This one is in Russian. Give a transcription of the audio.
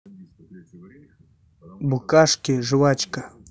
букашки жвачка